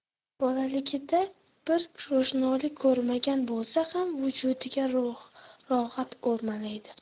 bolaligida bir ro'shnolik ko'rmagan bo'lsa ham vujudiga rohat o'rmalaydi